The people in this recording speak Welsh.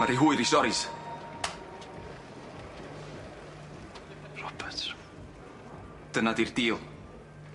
Ma' rhy hwyr i soris. Roberts. Dyna di'r deal.